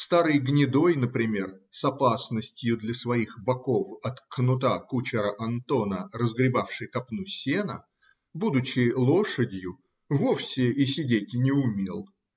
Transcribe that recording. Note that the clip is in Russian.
старый гнедой, например, с опасностью для своих боков от кнута кучера Антона разгребавший копну сена, будучи лошадью, вовсе и сидеть не умел